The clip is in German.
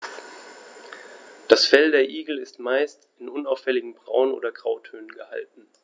Das Fell der Igel ist meist in unauffälligen Braun- oder Grautönen gehalten.